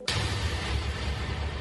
San